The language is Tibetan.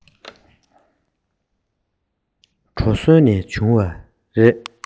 གྲོ སོན ནས བྱུང བ རེད